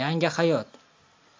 yangi hayot